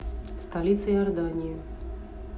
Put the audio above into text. столица иордании